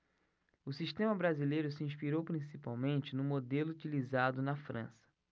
o sistema brasileiro se inspirou principalmente no modelo utilizado na frança